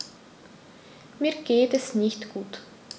Mir geht es nicht gut.